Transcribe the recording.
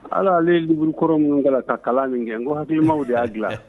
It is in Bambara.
Ala ale burukɔrɔ minnu ka ka kalan min kɛ n ko halimaw de y'a dila